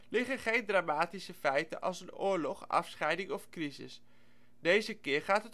liggen geen dramatische feiten als een oorlog, afscheiding of crisis. Deze keer gaat